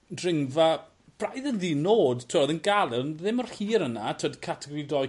dringfa braidd yn ddi nod t'wo' o'dd yn gale' on' ddim mor hir â 'na t'wod categori doi